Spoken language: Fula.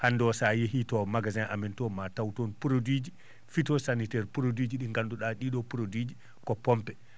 hannde o sahaa so a yehii to magasin amen to ma taw produit phytosanitaire produit ji ɗi ngannduɗaa ɗii ɗoo produit ji ko pompe